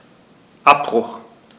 Abbruch.